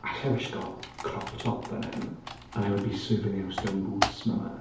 Allai wisgo crop top fan hyn and I would be serving the house down boots mama.